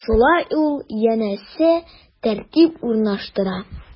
Шулай ул, янәсе, тәртип урнаштыра.